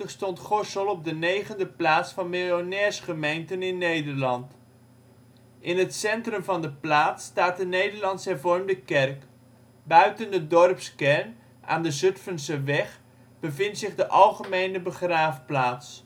stond Gorssel op de negende plaats van miljonairsgemeenten in Nederland. In het centrum van de plaats staat de Nederlands-hervormde kerk. Buiten de dorpskern, aan de Zutphenseweg, bevindt zich de Algemene Begraafplaats